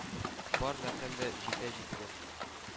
Бар нәрсәм дә җитә җитүен,